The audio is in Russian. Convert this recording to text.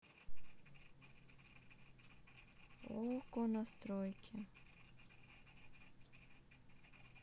окко настройки